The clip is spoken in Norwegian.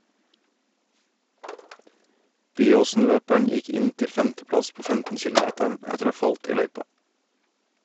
Byåsen-løperen gikk inn til femteplass på 15-kilometeren etter å ha falt i løypa.